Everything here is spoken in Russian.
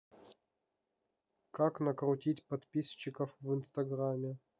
как накрутить подписчиков в инстаграме